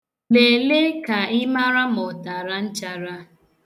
Lelee ka ị mara ma ọ tara nchara.